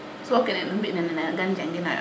so kene nu mbina nene ngan njagino yo